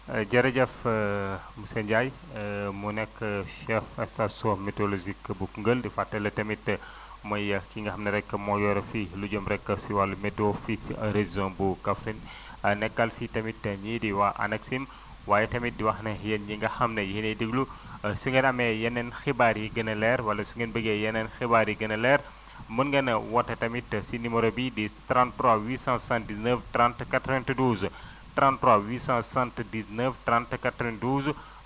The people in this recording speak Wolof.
jërëjëf monsieur Ndiaye mu nekk chef station météorologique bu Koungheul di fàttali tamit mooy ki nga xam ne rek moo yore fii lu jëm rek si wàllu météo fii si région de Kaffrine nekkal fi tamit ñii di waa ANACIM waaye tamit di wax ne yéen ñi nga xam ne yéen ay déglu su ngeen amee yeneen xibaar yu gën a leer wala su ngeen bëggee yeneen xibaar yu gën a leer mën ngeen a woote tamit si numéro bii di 33 879 30 92 33 879 30 92